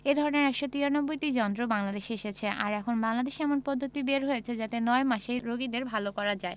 এ ধরনের ১৯৩টি যন্ত্র বাংলাদেশে এসেছে আর এখন বাংলাদেশই এমন পদ্ধতি বের করেছে যাতে ৯ মাসেই রোগীদের ভালো করা যায়